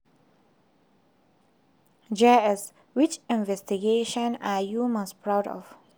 JS: Which investigations are you most proud of?